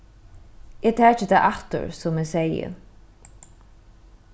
eg taki tað aftur sum eg segði